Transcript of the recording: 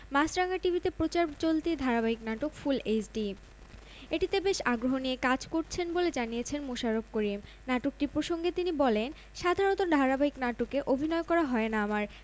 বিশ্বের সবচেয়ে বড় লেহেঙ্গা শাড়িতে অপরূপা জয়া ব্যতিক্রমী লেহেঙ্গা শাড়ি পরে সবার সামনে এসেছেন জনপ্রিয় অভিনেত্রী জয়া আহসান বিশ্বরেকর্ড তৈরির উদ্দেশ্যে ৪০০ মিটার দীর্ঘ পোশাকটি তৈরি করা হয়েছে